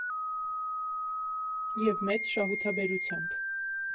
ԵՒ մեծ շահութաբերությամբ։